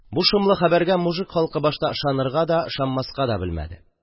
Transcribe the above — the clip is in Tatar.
Бу шомлы хәбәргә мужик халкы башта ышанырга да, ышанмаска да белмәде.